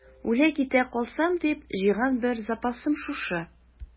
Үлә-китә калсам дип җыйган бар запасым шушы.